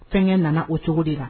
Fɛnkɛ nana o cogo de la.